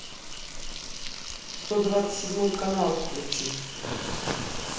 сто двадцать седьмой канал включи